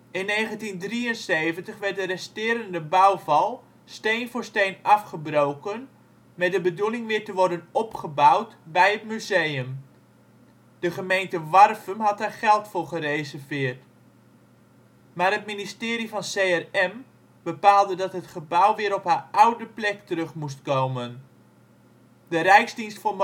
In 1973 werd de resterende bouwval steen voor steen afgebroken met de bedoeling weer te worden opgebouwd bij het museum. De gemeente Warffum had daar geld voor gereserveerd. Maar het ministerie van CRM bepaalde dat het gebouw weer op haar oude plek terug moest komen. De Rijksdienst voor Monumentenzorg